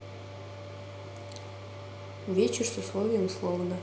вечер с условием словно